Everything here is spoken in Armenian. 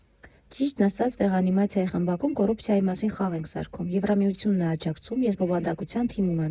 Ճիշտն ասած, ստեղ անիմացիայի խմբակում կոռուպցիայի մասին խաղ ենք սարքում՝ Եվրամիությունն ա աջակցում, ես բովանդակության թիմում եմ։